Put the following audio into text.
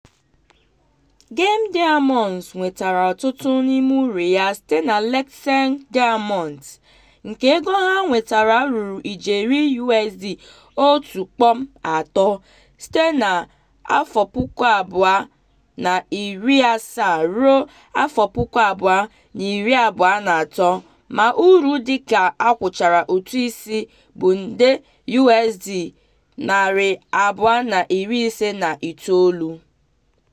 GEM Diamonds nwetara ọtụtụ n'ime uru ya site na Letšeng Diamonds, nke ego ha nwetara ruru ijeri USD 1.3 site na 2017 ruo 2023 ma uru dịka a kwụchara ụtụisi bụ nde USD 259.